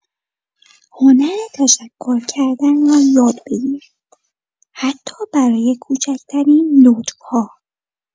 هنر تشکر کردن را یاد بگیر، حتی برای کوچک‌ترین لطف‌ها.